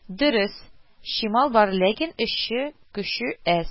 Дөрес, чимал бар, ләкин эшче көче әз